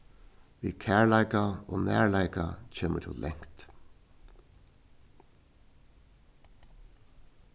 við kærleika og nærleika kemur tú langt